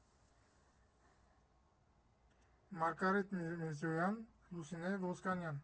Մարգարիտ Միրզոյան, Լուսինե Ոսկանյան։